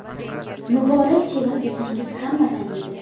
muborak chevar desangiz hamma taniydi